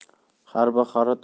har bir xarid